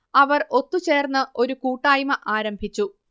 അവർ ഒത്തു ചേർന്ന് ഒരു കൂട്ടായ്മ ആരംഭിച്ചു